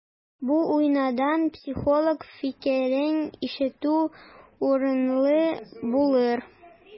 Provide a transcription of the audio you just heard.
Бу уңайдан психолог фикерен ишетү урынлы булыр.